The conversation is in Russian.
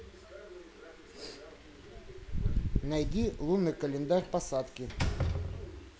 найди лунный календарь посадки